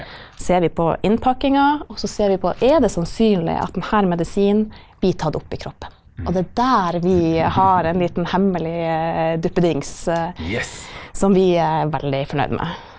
ser vi på innpakninga og så ser vi på er det sannsynlig at den her medisinen blir tatt opp i kroppen, og det er der vi har en liten hemmelig duppedings som vi er veldig fornøyd med.